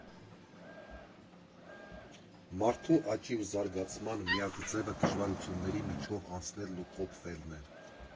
Մարդու աճի ու զարգացման միակ ձևը դժվարությունների միջով անցնելն ու կոփվելն է։